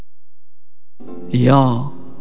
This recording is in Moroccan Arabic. يا